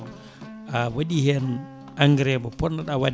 a waɗi hen engrais mo poɗɗa wadde